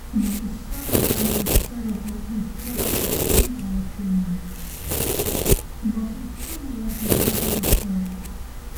Yn ogystal a'r ganhawster o de- deithio tu allan i Balesteina, 'yn obeithion ni ar gyfar y dyfodol